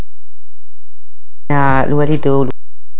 الوليد